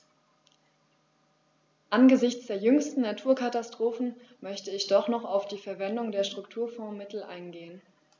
Angesichts der jüngsten Naturkatastrophen möchte ich doch noch auf die Verwendung der Strukturfondsmittel eingehen.